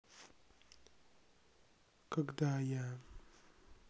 когда я